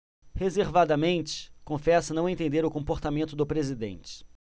reservadamente confessa não entender o comportamento do presidente